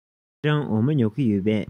ཁྱེད རང འོ མ ཉོ གི ཡོད པས